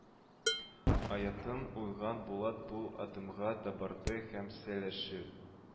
Оятын уйган Булат бу адымга да барды һәм сөйләшү